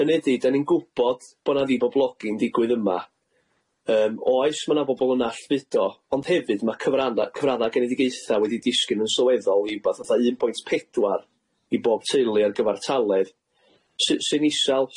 hynny ydi dan ni'n gwbod bo' na ddiboblogi'n digwydd yma yym oes ma' na bobol yn allfudo ond hefyd ma' cyfranna cyfradda genedigaetha wedi disgyn yn sylweddol i wbath fatha un pwynt pedwar i bob teulu ar gyfartaledd sy- sy'n isal